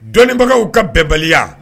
Dɔɔninbagaw ka bɛɛbali